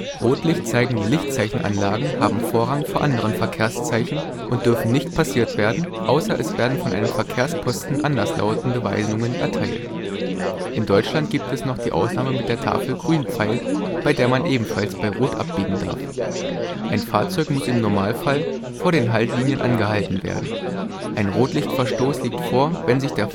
Rotlicht zeigende Lichtzeichenanlagen haben Vorrang vor anderen Verkehrszeichen und dürfen nicht passiert werden, außer es werden von einem Verkehrsposten anderslautende Weisungen erteilt. In Deutschland gibt es noch die Ausnahme mit der Tafel Grünpfeil, bei der man ebenfalls bei Rot abbiegen darf. Ein Fahrzeug muss im Normalfall vor den Haltlinien angehalten werden. Ein Rotlichtverstoß liegt vor, wenn sich der